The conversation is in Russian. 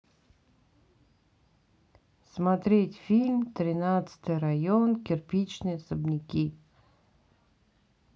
смотреть фильм тринадцатый район кирпичные особняки